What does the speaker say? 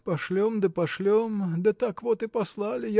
Пошлем да пошлем, да так вот и послали